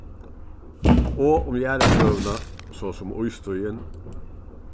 og um jarðarsøguna so sum ístíðin